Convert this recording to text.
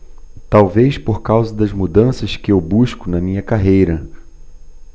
talvez por causa das mudanças que eu busco na minha carreira